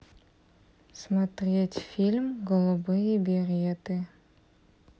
смотреть фильм голубые береты